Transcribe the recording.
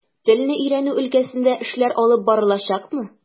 Телне өйрәнү өлкәсендә эшләр алып барылачакмы?